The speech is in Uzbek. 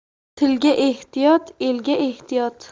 tilga ehtiyot elga ehtiyot